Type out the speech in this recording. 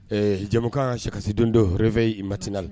Ee jamakan sɛkasi don don reveil du matin